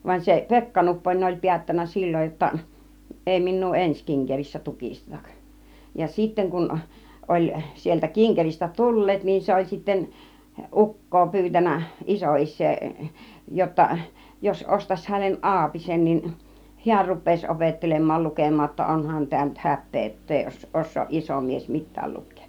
vaan se Pekka Nupponen oli päättänyt silloin jotta ei minua ensi kinkerissä tukisteta ja sitten kun oli sieltä kinkeristä tulleet niin se oli sitten ukkoa pyytänyt isoisää jotta jos ostaisi hänelle aapisen niin hän rupeaisi opettelemaan lukemaan jotta onhan tämä nyt häpeä että ei - osaa iso mies mitään lukea